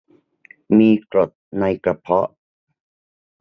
มีกรดในกระเพาะ